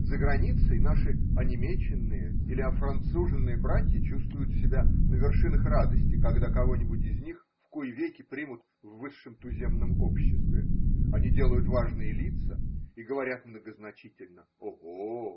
Заграницей наши онемеченные или офранцуженные братья чувствуют себя на вершинах радости, когда кого-нибудь из них в кои веки примут в высшем туземном обществе: они делают важные лица и говорят многозначительно: ого!